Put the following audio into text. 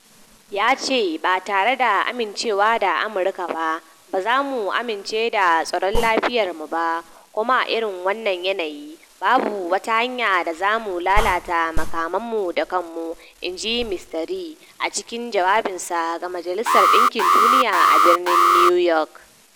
Ya ce, "Ba tare da amincewa da Amurka ba, ba za mu amince da tsaron lafiyarmu ba, kuma a irin wadannan yanayi, babu wata hanyar da zamu lalata makaman mu da kanmu," in ji Mr Ri a cikin jawabinsa ga Majalisar Dinkin Duniya a birnin New York.